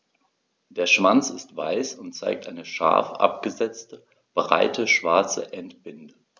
Der Schwanz ist weiß und zeigt eine scharf abgesetzte, breite schwarze Endbinde.